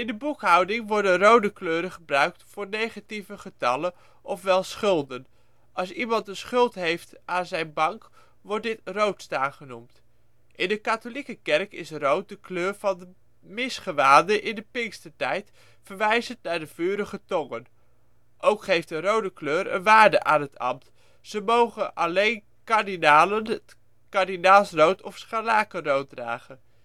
boekhouding worden rode kleuren gebruikt voor negatieve getallen, ofwel schulden. Als iemand een schuld heeft aan zijn bank, wordt dit rood staan genoemd. In de Katholieke kerk is rood de kleur van de misgewaden in de pinkstertijd, verwijzend naar de vurige tongen. Ook geeft de rode kleur een waarde aan het ambt. Zo mogen (alleen) kardinalen het kardinaalsrood (of scharlakenrood) dragen